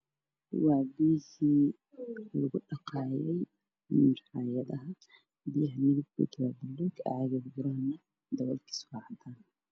Waa miis lagu dhaqaayo soon diyaa midabkooda blue miiska waa cagaar